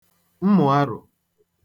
mmụ̀arụ̀